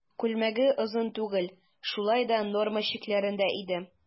Күлмәге озын түгел, шулай да норма чикләрендә иде.